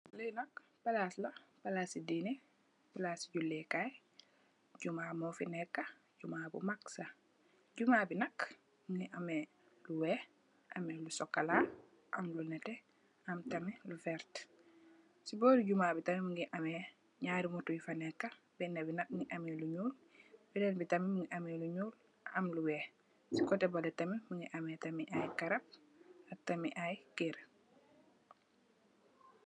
Lii nak palaas, palaasi dine, palaasi julekaay, juma mo fi nekk, juma bu magg sa, juma bi nak, mingi ame lu weex, ame lu sokola, am lu nete, am tamit lu werta, si boori juma bi tamit, mingi ame nyaari moto yu fa nekk, benne bi nak mingi am lu nyuul, beneen bi tamit mingi ame lu nyuul, am lu weex, kote bale tamit, mingi am ay garab, ak tamit ay ker.